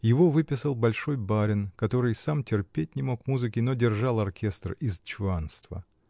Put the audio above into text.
Его выписал большой барин, который сам терпеть не мог музыки, но держал оркестр из чванства.